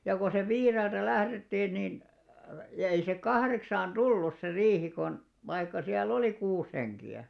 ja kun sitten viideltä lähdettiin niin - ei se kahdeksaan tullut se riihi kun vaikka siellä oli kuusi henkeä